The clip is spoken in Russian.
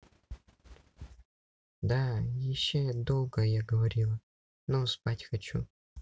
да еще долго я говорила но спать хочу